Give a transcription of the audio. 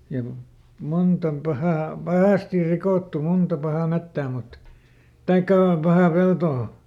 ja kun monta on - pahasti rikottu monta pahaa metsää mutta tai pahaa peltoa